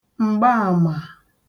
m̀gbaàmà